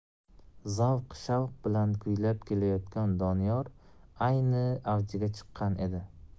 zavq shavq bilan kuylab kelayotgan doniyor ayni avjiga chiqqan edi